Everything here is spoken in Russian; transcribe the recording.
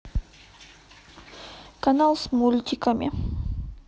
канал с мультиками